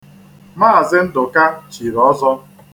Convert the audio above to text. Mz. Ndụka chìrì ọzọ.